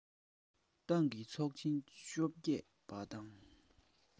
ཏང གི ཚོགས ཆེན བཅོ བརྒྱད པ དང